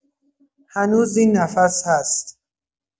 هنوز این نفس هست.